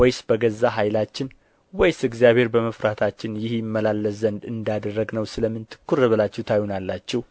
ወይስ በገዛ ኃይላችን ወይስ እግዚአብሔርን በመፍራታችን ይህ ይመላለስ ዘንድ እንዳደረግነው ስለ ምን ትኵር ብላችሁ ታዩናላችሁ